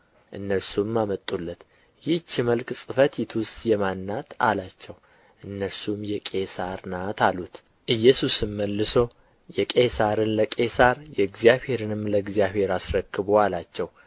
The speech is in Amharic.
እነርሱም አመጡለት ይህች መልክ ጽሕፈቲቱስ የማን ናት አላቸው እነርሱም የቄሣር ናት አሉት ኢየሱስም መልሶ የቄሣርን ለቄሣር የእግዚአብሔርንም ለእግዚአብሔር አስረክቡ አላቸው